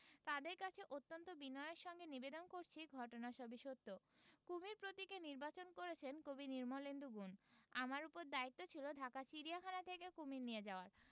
তাঁদের কাছে অত্যন্ত বিনয়ের সঙ্গে নিবেদন করছি ঘটনা সবই সত্য কুমীর প্রতীকে নির্বাচন করেছেন কবি নির্মলেন্দু গুণ আমার উপর দায়িত্ব ছিল ঢাকা চিড়িয়াখানা থেকে কুমীর নিয়ে যাওয়ার